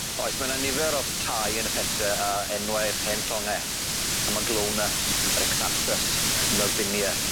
Oes ma' 'na nifer o tai yn y pentre â enwau'r hen llonge. Amaglowna yr Exanthus Myvinia.